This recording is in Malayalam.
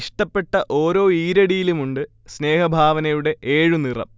ഇഷ്ടപ്പെട്ട ഓരോ ഈരടിയിലുമുണ്ടു സ്നേഹഭാവനയുടെ ഏഴു നിറം